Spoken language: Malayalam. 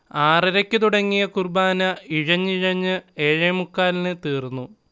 ആറരയ്ക്ക് തുടങ്ങിയ കുർബ്ബാന ഇഴഞ്ഞിഴഞ്ഞ് ഏഴേമുക്കാലിന് തീർന്നു